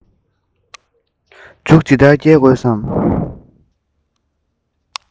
མཇུག ཇི ལྟར བསྐྱལ དགོས སམ